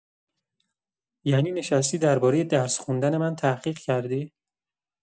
یعنی نشستی درباره درس خوندن من تحقیق کردی؟